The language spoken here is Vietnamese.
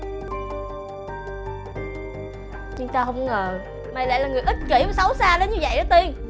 ngờ mày lại là người ích kỉ và xấu xa đến như dậy đó tiên